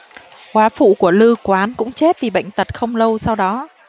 góa phụ của lư quán cũng chết vì bệnh tật không lâu sau đó